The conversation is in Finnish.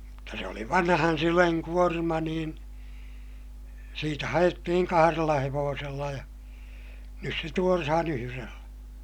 mutta se oli vanhan sylen kuorma niin siitä haettiin kahdella hevosella ja nyt se tuodaan yhdellä